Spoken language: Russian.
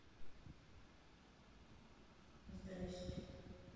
здрасте